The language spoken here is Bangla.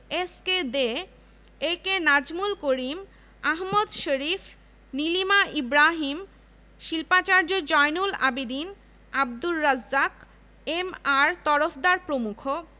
মুক্তিযুদ্ধকালে পাক সরকারের বুদ্ধিজীবী নিধন পরিকল্পনার শিকার হয়েছেন ঢাকা বিশ্ববিদ্যাপলয়ের ১৯